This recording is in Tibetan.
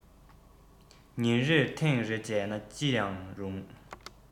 ཉིན རེར ཐེངས རེ མཇལ ན ཅི མ རུང